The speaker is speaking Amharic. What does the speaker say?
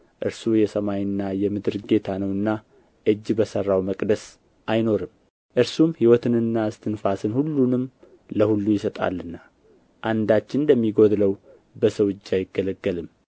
እርሱ የሰማይና የምድር ጌታ ነውና እጅ በሠራው መቅደስ አይኖርም እርሱም ሕይወትንና እስትንፋስን ሁሉንም ለሁሉ ይሰጣልና አንዳች እንደሚጎድለው በሰው እጅ አይገለገልም